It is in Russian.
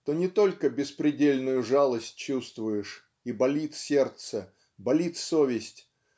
то не только беспредельную жалость чувствуешь и болит сердце болит совесть